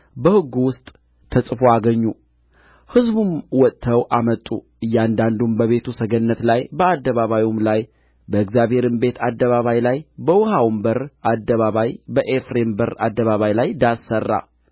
በሕጉ ውስጥ ተጽፎ አገኙ ሕዝቡም ወጥተው አመጡ እያንዳንዱም በቤቱ ሰገነት ላይ በአደባባዩም ላይ በእግዚአብሔርም ቤት አደባባዩ ላይ በውኃውም በር አደባባይና በኤፍሬም በር አደባባይ ላይ ዳስ ሠራ